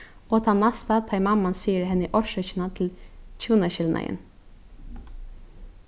og tann næsta tá ið mamman sigur henni orsøkina til hjúnaskilnaðin